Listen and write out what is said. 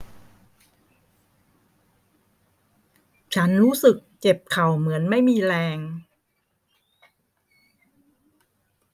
ฉันรู้สึกเจ็บเข่าเหมือนไม่มีแรง